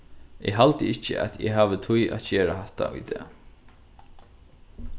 eg haldi ikki at eg havi tíð at gera hatta í dag